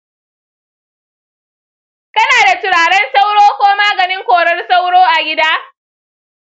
kana da turaren sauro ko maganin korar sauro a gida?